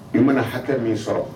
I mana hakɛ min sɔrɔ